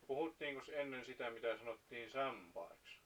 puhuttiinkos ennen sitä mitä sanottiin sampaiksi